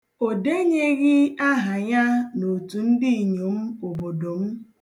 O denyeghi aha ya n'otu ndịinyom obodo m.